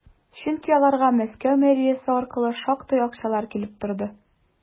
Чөнки аларга Мәскәү мэриясе аркылы шактый акчалар килеп торды.